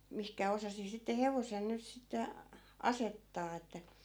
mihin osasi sitten hevosen nyt sitten asettaa että